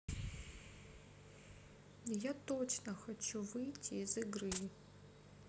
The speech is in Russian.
я точно хочу выйти из игры